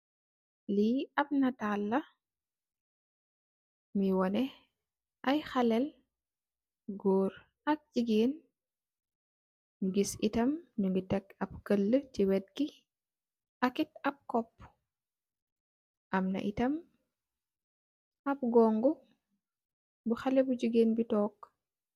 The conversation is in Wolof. Li ap natal la nyunge waneh khaleh yu goor ak gigeen nyunge tek ap khaluh si wetam munge am kupo amna tam gong ngoh bu haleh bu gigeen tok.